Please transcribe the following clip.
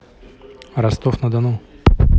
ростов на дону